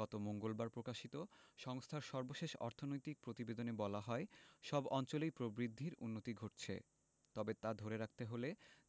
গত মঙ্গলবার প্রকাশিত সংস্থার সর্বশেষ অর্থনৈতিক প্রতিবেদনে বলা হয় সব অঞ্চলেই প্রবৃদ্ধির উন্নতি ঘটছে তবে তা ধরে রাখতে হলে